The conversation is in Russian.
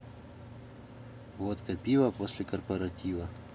водка пиво после корпоратива